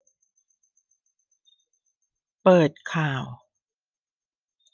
เปิดข่าว